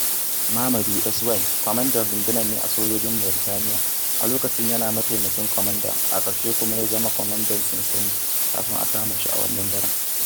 Mamadou Sy kwamandan rundunar ne a sojojin Mauritaniya, a lokacin yana mataimakin kwamanda, a ƙarshe kuma ya zama kwamandan sansani kafin a kama shi a wannan daren.